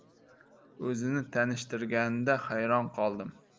o'zini tanishtirganida hayron qoldim